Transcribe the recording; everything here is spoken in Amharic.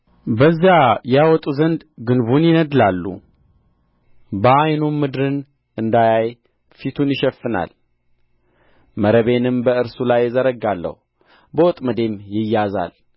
በዚያ ያወጡ ዘንድ ግንቡን ይነድላሉ በዓይኑም ምድርን እንዳያይ ፊቱን ይሸፍናል መረቤንም በእርሱ ላይ እዘረጋለሁ በወጥመዴም ይያዛል